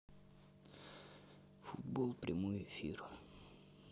футбол прямой эфир